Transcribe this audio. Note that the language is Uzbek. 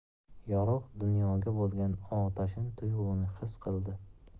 yorug' dunyoga bo'lgan otashin tuyg'uni xis qildi